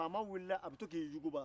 faama wilila a bɛ to k'i yuguba